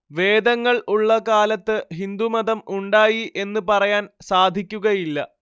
വേദങ്ങൾ ഉള്ള കാലത്ത് ഹിന്ദു മതം ഉണ്ടായി എന്ന് പറയാൻ സാധക്കുകയില്ല